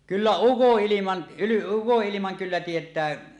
kyllä ukonilman ukonilman kyllä tietää